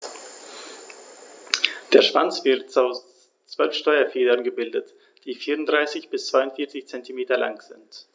Der Schwanz wird aus 12 Steuerfedern gebildet, die 34 bis 42 cm lang sind.